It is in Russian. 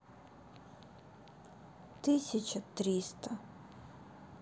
тысяча триста